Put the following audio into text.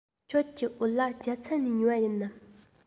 ཁྱེད ཀྱི བོད ལྭ རྒྱ ཚ ནས ཉོས པ ཡིན ནམ